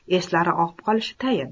eslari og'ib qolishi tayin